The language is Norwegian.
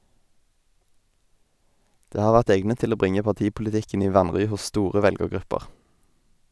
Det har vært egnet til å bringe partipolitikken i vanry hos store velgergrupper.